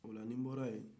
ola nin bɔra yen